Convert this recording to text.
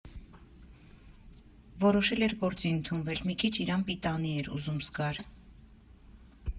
Որոշել էր գործի ընդունվել, մի քիչ իրան պիտանի էր ուզում զգար։